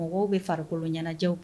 Mɔgɔw bɛ farikolo ɲɛnajɛ